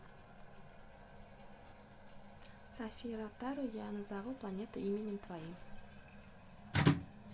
софия ротару я назову планету именем твоим